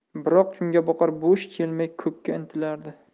biroq kungaboqar bo'sh kelmay ko'kka intilardi